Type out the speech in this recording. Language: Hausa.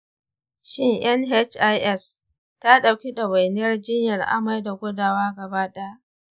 shin nhis ta ɗauki ɗawainiyar jinyar amai da gudawa gaba-ɗaya?